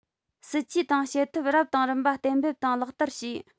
སྲིད ཇུས དང བྱེད ཐབས རབ དང རིམ པ གཏན འབེབས དང ལག བསྟར བྱས